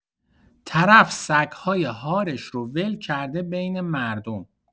طرف سگ‌های هارش رو ول کرده بین مردم